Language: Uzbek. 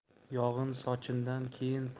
yog'in sochindan keyin